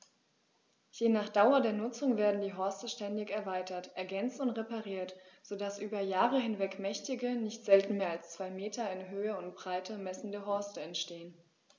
Je nach Dauer der Nutzung werden die Horste ständig erweitert, ergänzt und repariert, so dass über Jahre hinweg mächtige, nicht selten mehr als zwei Meter in Höhe und Breite messende Horste entstehen.